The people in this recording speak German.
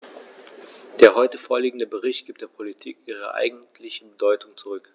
Der heute vorliegende Bericht gibt der Politik ihre eigentliche Bedeutung zurück.